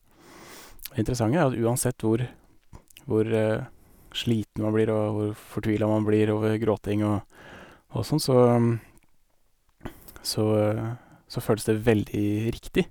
Det interessante er jo at uansett hvor hvor sliten man blir og hvor fortvila man blir over gråting og og sånn, så så så føles det veldig riktig.